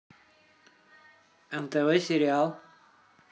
нтв сериал